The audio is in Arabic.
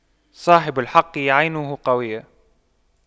صاحب الحق عينه قوية